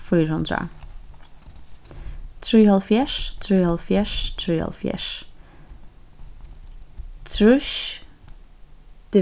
fýra hundrað trýoghálvfjerðs trýoghálvfjerðs trýoghálvfjerðs trýss